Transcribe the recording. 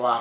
waaw